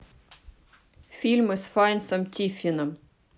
фильмы с файнсом тиффином